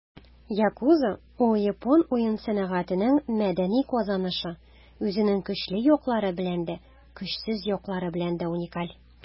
Yakuza - ул япон уен сәнәгатенең мәдәни казанышы, үзенең көчле яклары белән дә, көчсез яклары белән дә уникаль.